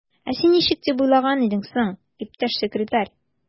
Ә син ничек дип уйлаган идең соң, иптәш секретарь?